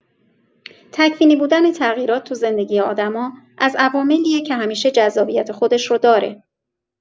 تکوینی بودن تغییرات تو زندگی آدما از عواملیه که همیشه جذابیت خودش رو داره.